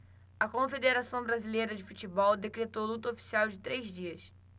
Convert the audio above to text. a confederação brasileira de futebol decretou luto oficial de três dias